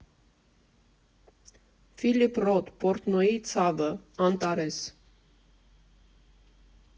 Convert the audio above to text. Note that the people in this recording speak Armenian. Ֆիլիպ Ռոթ «Պորտնոյի ցավը», ԱՆՏԱՐԵՍ։